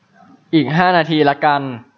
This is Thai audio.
อีกห้านาทีละกัน